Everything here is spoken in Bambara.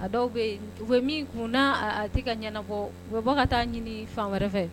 A dɔw bɛ yen u bɛ min kun'a a tɛ ka ɲɛnafɔ u bɛ bɔ ka taa ɲini fan wɛrɛ fɛ